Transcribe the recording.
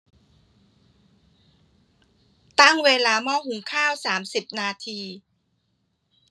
ตั้งเวลาหม้อหุงข้าวสามสิบนาที